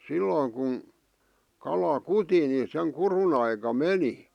silloin kun kala kuti niin sen kudun aikaan meni